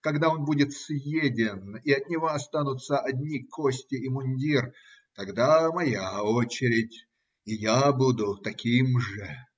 Когда он будет съеден и от него останутся одни кости и мундир, тогда моя очередь. И я буду таким же.